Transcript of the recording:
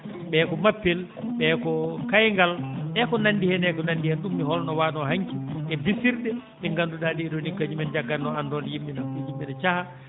ɓee ko mappel ɓe ko kaygal eko nanndi heen eko nanndi heen ɗum ne holno waanoo hanki e bisirɗe ɗi ngannduɗaa ɗee ɗoo ni kañumen jaggatno anndode yimɓe ne caha